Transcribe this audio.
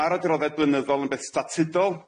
Ma'r adroddiad blynyddol yn beth statudol.